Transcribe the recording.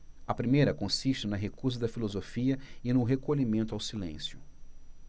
a primeira consiste na recusa da filosofia e no recolhimento ao silêncio